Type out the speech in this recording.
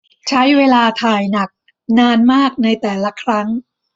ใช้เวลาถ่ายหนักนานมากในแต่ละครั้ง